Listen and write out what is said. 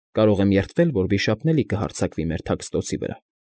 Կարող եմ երդվել, որ վիշապն էլի կհարձակվի մեր թաքստոցի վրա։